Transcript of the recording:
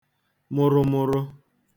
mụrụmụrụ